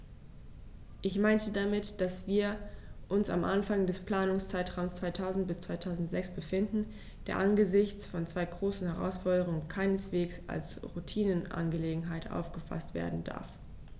Ich meine damit, dass wir uns am Anfang des Planungszeitraums 2000-2006 befinden, der angesichts von zwei großen Herausforderungen keineswegs als Routineangelegenheit aufgefaßt werden darf.